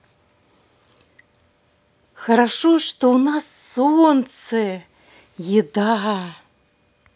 хорошо что у нас солнцееда